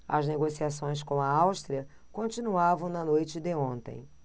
as negociações com a áustria continuavam na noite de ontem